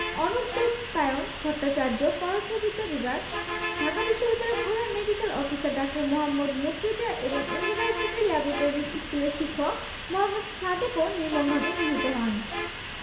অনুদ্বৈপায়ন ভট্টাচার্য পদার্থবিদ্যা বিভাগ ঢাকা বিশ্ববিদ্যালয়ের প্রধান মেডিক্যাল অফিসার ডা. মোহাম্মদ মর্তুজা এবং ইউনিভার্সিটি ল্যাবরেটরি স্কুলের শিক্ষক মোহাম্মদ সাদেকও নির্মমভাবে নিহত হন